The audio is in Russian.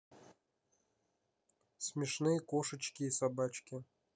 смешные кошечки и собачки